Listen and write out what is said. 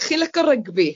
Chi'n lico rygbi?